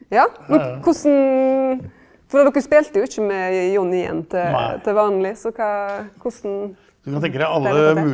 ja, men korleis for dokker spelte jo ikkje med Johnny Yen til til vanleg, så kva korleis ?